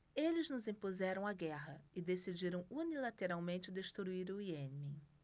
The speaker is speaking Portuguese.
eles nos impuseram a guerra e decidiram unilateralmente destruir o iêmen